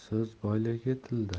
so'z boyligi tilda